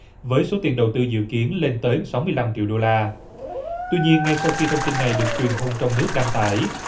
với số tiền đầu tư dự kiến lên tới sáu mươi lăm triệu đô la tuy nhiên ngay sau khi thông tin này được truyền thông trong nước đăng tải